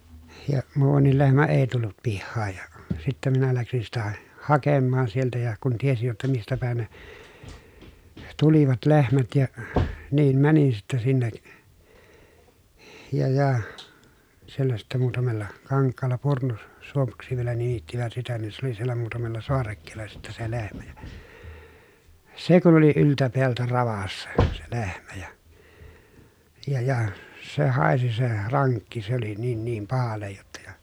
ja muuankin lehmä ei tullut pihaan ja sitten minä lähdin sitä hakemaan sieltä ja kun tiesin jotta mistä päin ne tulivat lehmät ja niin menin sitten sinne ja ja siellä sitten muutamalla kankaalla - Purnusuomuksi vielä nimittivät sitä niin se oli siellä muutamalla saarekkeella sitten se lehmä ja se kun oli yltä päältä ravassa se lehmä ja ja ja se haisi se rankki se oli niin niin pahalle jotta ja